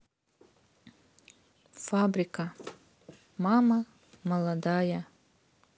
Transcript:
фабрика мама молодая